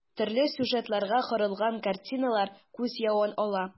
Төрле сюжетларга корылган картиналар күз явын ала.